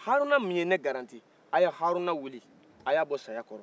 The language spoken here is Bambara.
haruna min ye ne garantie a ye haruna wiili a y'a bɔ saya kɔrɔ